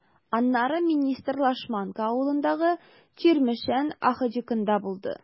Аннары министр Лашманка авылындагы “Чирмешән” АХҖКында булды.